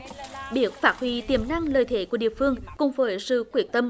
biết phát huy tiềm năng lợi thế của địa phương cùng với sự quyết tâm